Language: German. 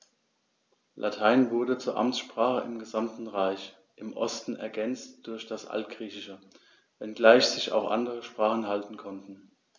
Latein wurde zur Amtssprache im gesamten Reich (im Osten ergänzt durch das Altgriechische), wenngleich sich auch andere Sprachen halten konnten.